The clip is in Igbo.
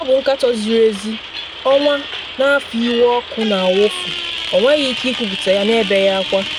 Ọ bụ nkatọ ziri ezi, ọnwa na afọ iwe ọkụ na awofu, ọ nweghị ike ikwupute ya na ebeghị akwa.